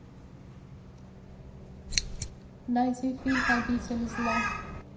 найди фильм обитель зла